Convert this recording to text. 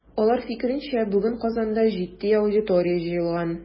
Алар фикеренчә, бүген Казанда җитди аудитория җыелган.